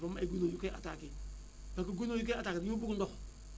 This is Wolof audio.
dafa am ay gunóor parce que gunóor yi koy attaqué dañoo bëgg ndox